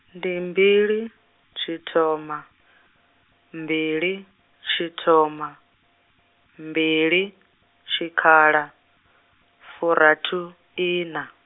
ndi mbili, tshithoma, mbili tshithoma, mbili tshikhala, furathiiṋa.